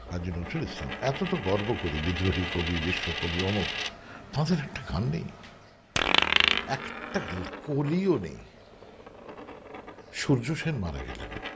কাজী নজরুল ইসলাম এত এত গর্ব করি বিদ্রোহী কবি বিশ্বকবি অমুক তাদের একটা গান নেই একটা কলিও নেই সূর্য সেন মারা গেলেন